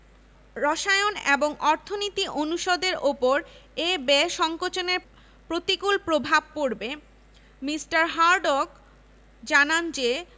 সব রকম সুযোগসুবিধা দিয়েও প্রশাসন মাত্র অল্পসংখ্যক মুসলিম শিক্ষক সংগ্রহ করতে সক্ষম হয় এমনকি মুসলমান ছাত্রের সংখ্যাও তখন দাঁড়ায় মাত্র ৯ শতাংশ